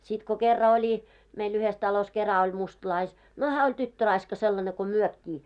sitten kun kerran oli meillä yhdessä talossa kerran oli - no hän oli tyttöraiska sellainen kuin mekin